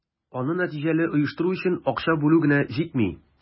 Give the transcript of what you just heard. Аны нәтиҗәле оештыру өчен акча бүлү генә җитми.